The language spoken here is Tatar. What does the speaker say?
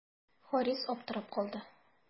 Харис аптырап калды.